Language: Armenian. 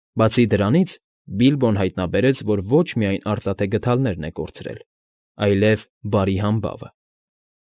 Բացի դրանից, Բիլբոն հայտնաբերեց, որ ոչ միայն արծաթե գդալներն է կորցրել, այլև՝ բարի համբավը։